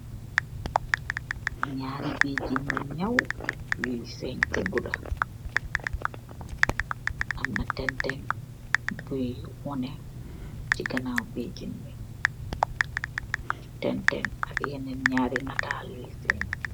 Ñari beejan yu ñaw yuy feeñ ta guda. Am na teenteng bu wone ci ginaaw beejan bi. Teenteng ak yenen ñari nataal yuy féng.